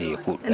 i kuɗ